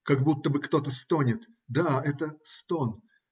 Как будто бы кто-то стонет. Да, это - стон.